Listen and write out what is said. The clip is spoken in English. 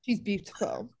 She's beautiful.